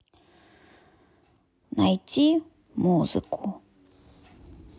найти музыку